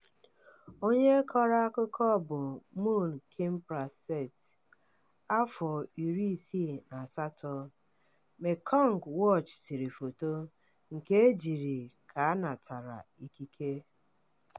Onye kọrọ akụkọ bụ Mun Kimprasert, afọ 68, Mekong Watch sere foto, nke e jiri ka a natara ikike.